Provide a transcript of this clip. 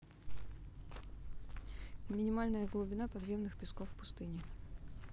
минимальная глубина подземных песков пустыни